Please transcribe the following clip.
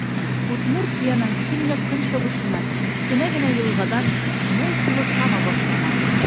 Удмуртиянең төньяк-көнчыгышыннан, кечкенә генә елгадан, мул сулы Кама башлана.